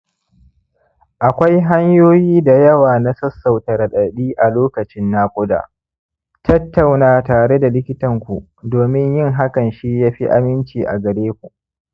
akwai hanyoyi da yawa na sassauta raɗaɗi a lokacin naƙuda, tattauna tare da likitanku domin yin hakan shi yafi aminci a gareku